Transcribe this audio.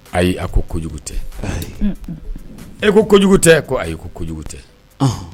Ayi a ko kojugu tɛ e ko kojugu tɛ ayijugu tɛ